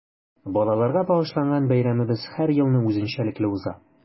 Балаларга багышланган бәйрәмебез һәр елны үзенчәлекле уза.